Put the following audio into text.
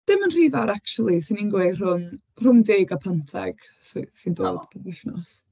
Dim yn rhy fawr acshyli. 'Swn i'n gweud rhwng rhwng deg a pumtheg sy sy'n... o. ...dod bob wythnos.